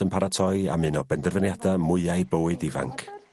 ...yn paratoi am un o benderfyniada mwya 'i bywyd ifanc.